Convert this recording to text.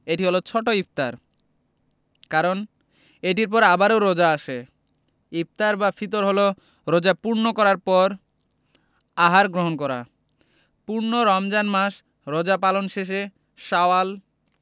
এটি হলো ছোট ইফতার কারণ এটির পর আবারও রোজা আসে ইফতার বা ফিতর হলো রোজা পূর্ণ করার পর আহার গ্রহণ করা পূর্ণ রমজান মাস রোজা পালন শেষে শাওয়াল